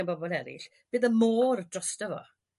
gen bobol eryll bydd y môr drosto fo